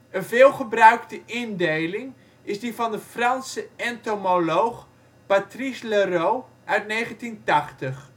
Een veel gebruikte indeling is die van de Franse entomoloog Patrice Leraut uit 1980. Een